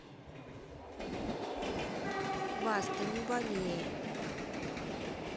баста не болей